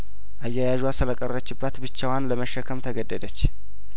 አያያዧ ስለቀረችባት ብቻዋን ለመሸከም ተገደደች